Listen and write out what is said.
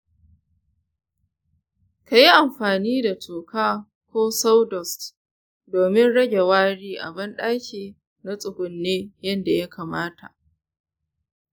ka yi amfani da toka ko sawdust domin rage wari a bandaki na tsugunne yadda ya kamata.